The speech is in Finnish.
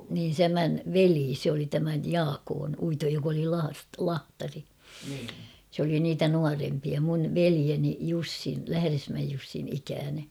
niin tämän veli se oli tämän Jaakon Uiton joka oli - lahtari se oli niitä nuorempia minun veljeni Jussin Lähdesmäen Jussin ikäinen